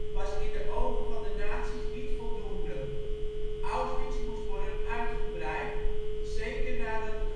was in de ogen van de nazi 's niet voldoende. Auschwitz moest worden uitgebreid, zeker nadat